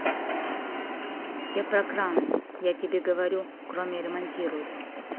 я про краны я тебе говорю кроме ремонтируют